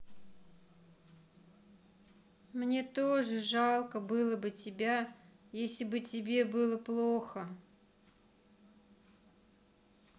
мне тоже жалко было бы тебя если бы тебе было плохо